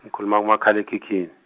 ngikhuluma kumakhalekhikhin-.